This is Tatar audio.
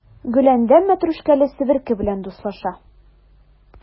Гөләндәм мәтрүшкәле себерке белән дуслаша.